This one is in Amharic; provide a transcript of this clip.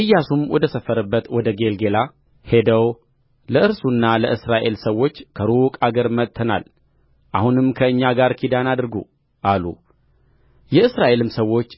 ኢያሱም ወደ ሰፈረበት ወደ ጌልገላ ሄደው ለእርሱና ለእስራኤል ሰዎች ከሩቅ አገር መጥተናል አሁንም ከእኛ ጋር ኪዳን አድርጉ አሉ የእስራኤልም ሰዎች